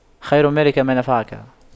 خير مالك ما نفعك